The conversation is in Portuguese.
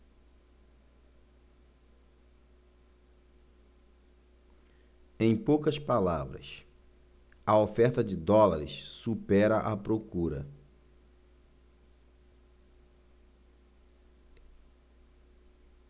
em poucas palavras a oferta de dólares supera a procura